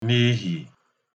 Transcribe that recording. n'ihyì